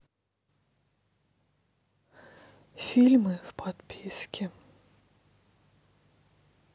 фильмы в подписке